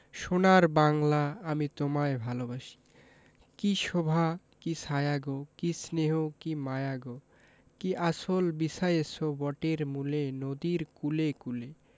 সোনার বাংলা আমি তোমায় ভালোবাসি কী শোভা কী ছায়া গো কী স্নেহ কী মায়া গো কী আঁচল বিছায়েছ বটের মূলে নদীর কূলে কূলে